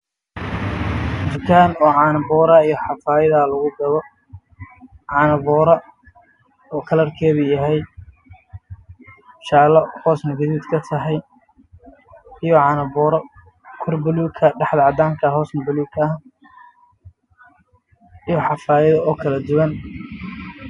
Meeshan waxay yeel gasacado ay caano ku jiraan